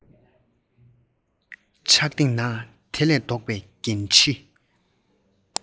ཕྲག སྟེང ན དེ ལས ལྡོག པའི འགན འཁྲི